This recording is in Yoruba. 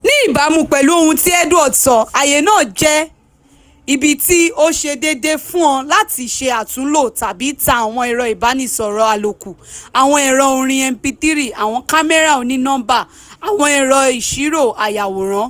Ní ìbámu pẹ̀lú ohun tí Edward sọ, ààyè náà "jẹ́ ibi tí ó ṣe déédéé fún ọ láti ṣe àtúnlò tàbí ta àwọn ẹ̀rọ ìbánisọ̀rọ̀ àlòkù, àwọn ẹ̀rọ orin mp3, àwọn kámẹ́rà òní nọ́mbà àwọn ẹ̀rọ ìṣirò ayàwòrán.